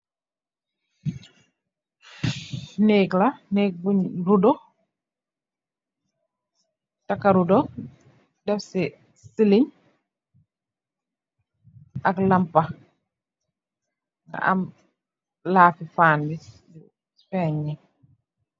Neeg la neeg bun redo taka redo def si ceiling ak lampa nga am lam lafi fan bi di fene nee.